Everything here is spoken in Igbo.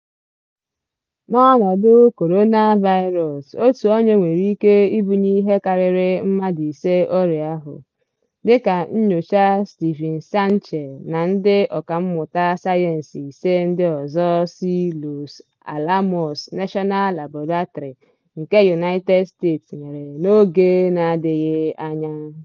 N'ọnọdụ Coronavirus, otu onye nwere ike ibunye ihe karịrị mmadụ ise ọrịa ahụ, dị ka nnyocha Steven Sanche na ndị ọkàmmụta sayensị ise ndị ọzọ si Los Alamos National Laboratory, United States mere n'oge n'adịghị anya.